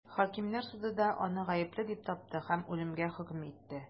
Хакимнәр суды да аны гаепле дип тапты һәм үлемгә хөкем итте.